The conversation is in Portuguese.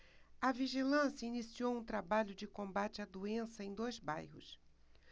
a vigilância iniciou um trabalho de combate à doença em dois bairros